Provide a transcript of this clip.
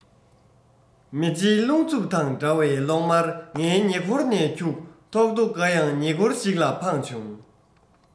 མེ ལྕེའི རླུང འཚུབ དང འདྲ བའི གློག དམར ངའི ཉེ འཁོར ནས འཁྱུག ཐོག རྡོ འགའ ཡང ཉེ འཁོར ཞིག ལ འཕངས བྱུང